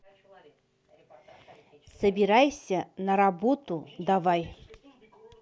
собирайся на работу давай